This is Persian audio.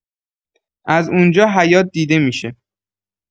از اونجا حیاط دیده می‌شه.